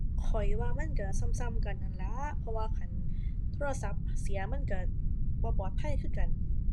ข้อยว่ามันก็ส่ำส่ำกันนั่นล่ะ เพราะว่า คัน โทรศัพท์เสียมันก็บ่ปลอดภัยคือกัน